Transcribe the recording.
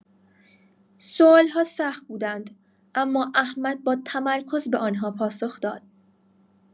سوال‌ها سخت بودند، اما احمد با تمرکز به آن‌ها پاسخ داد.